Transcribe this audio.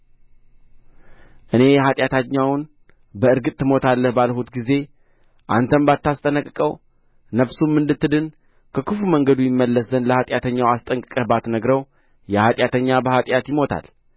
እኔ ኃጢአተኛውን በእርግጥ ትሞታለህ ባልሁት ጊዜ አንተም ባታስጠነቅቀው ነፍሱም እንድትድን ከክፉ መንገዱ ይመለስ ዘንድ ለኃጢአተኛው አስጠንቅቀህ ባትነግረው ያ ኃጢአተኛ በኃጢአት ይሞታል